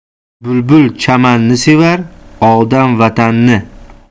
bulbul chamanni sevar odam vatanni